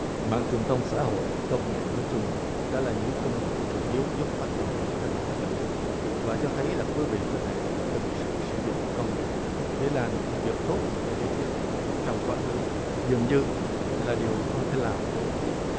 mạng truyền thông xã hội công nghệ nói chung đó là những công cụ chủ yếu giúp phát động cuộc cách mạng ai cập và cho thấy là quý vị có thể thực sự sử dụng công nghệ để làm những việc tốt mà trên lý thuyết trong quá khứ dường như là điều không thể làm được